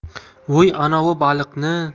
vuy anavi baliqni